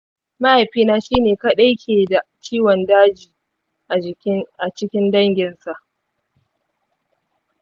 mahaifina shi ne kaɗai ke da ciwon dajin a cikin danginsa